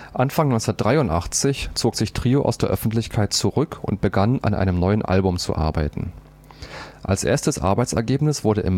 Anfang 1983 zog sich Trio aus der Öffentlichkeit zurück und begann an einem neuen Album zu arbeiten. Als erstes Arbeitsergebnis wurde